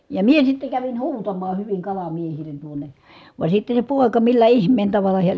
ja minä sitten kävin huutamaan hyvin kalamiehille tuonne vaan sitten se poika millä ihmeen tavalla hän